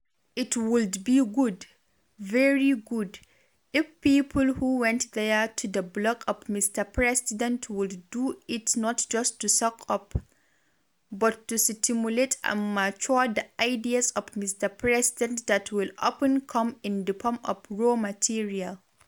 It would be good, very good, if people who went there (to the blog of Mr President) would do it not just to “suck up”, but to stimulate and mature the ideas of Mr President that will often come in the form of “raw material”.